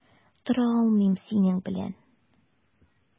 Тора алмыйм синең белән.